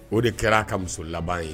O de kɛra a ka muso laban ye.